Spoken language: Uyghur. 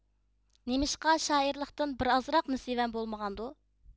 نېمىشقا شائىرلىقتىن بىر ئازراق نېسىۋەم بولمىغاندۇ